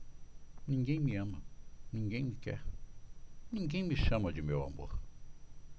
ninguém me ama ninguém me quer ninguém me chama de meu amor